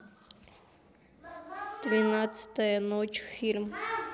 двенадцатая ночь фильм